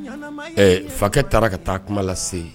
Ɛ fakɛ taara ka taa kuma lase